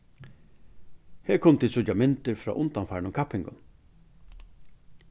her kunnu tit síggja myndir frá undanfarnum kappingum